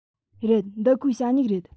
རེད འདི ཁོའི ཞ སྨྱུག རེད